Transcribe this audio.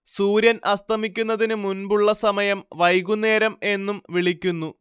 സൂര്യൻ അസ്തമിക്കുന്നതിന് മുമ്പുള്ള സമയം വൈകുന്നേരംഎന്നും വിളിക്കുന്നു